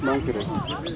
maa ngi fi rek